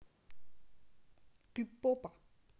ты попа